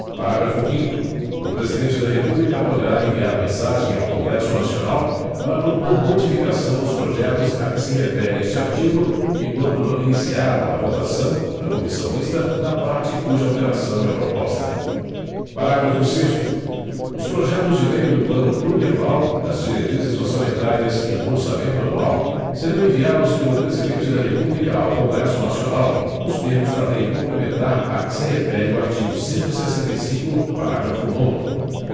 parágrafo quinto o presidente da república poderá enviar mensagem ao congresso nacional para propor modificação nos projetos a que se refere este artigo enquanto não iniciada a votação na comissão mista da parte cuja alteração é proposta parágrafo sexto os projetos de lei do plano plurianual das diretrizes orçamentárias e do orçamento anual serão enviados pelo presidente da república ao congresso nacional nos termos da lei complementar a que se refere o artigo cento e sessenta e cinco parágrafo nono